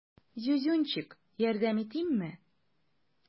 Зюзюнчик, ярдәм итимме?